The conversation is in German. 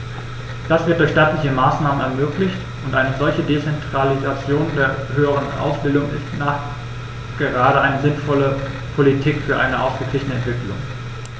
Das wird durch staatliche Maßnahmen ermöglicht, und eine solche Dezentralisation der höheren Ausbildung ist nachgerade eine sinnvolle Politik für eine ausgeglichene Entwicklung.